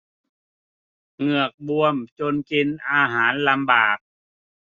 เหงือกบวมจนกินอาหารลำบาก